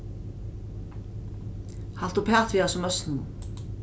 halt uppat við hasum møsninum